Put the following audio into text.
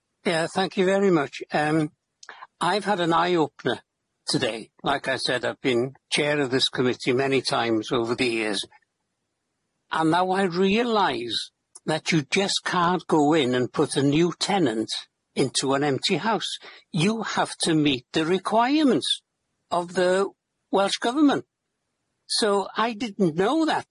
Yeah, thank you very much. Erm I've had an eye-opener today. Like I said I've been chair of this committee many times over the years and now I realise that you just can't go in and put a new tenant into an empty house. You have to meet the requirements of the Welsh Government, so I didn't know that.